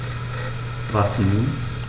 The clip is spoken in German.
Was nun?